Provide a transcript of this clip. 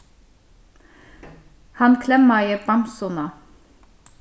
hann klemmaði bamsuna